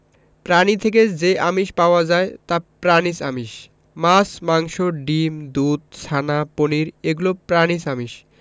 প্রাণী থেকে যে আমিষ পাওয়া যায় তা প্রাণিজ আমিষ মাছ মাংস ডিম দুধ ছানা পনির এগুলো প্রাণিজ আমিষ